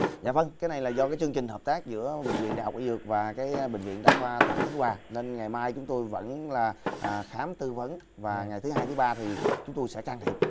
dạ vâng cái này là do cái chương trình hợp tác giữa bệnh viện đại học y dược và cái bệnh viện đa khoa tỉnh khánh hòa nên ngày mai chúng tôi vẫn là à khám tư vấn và ngày thứ hai thứ ba thì chúng tôi sẽ can thiệp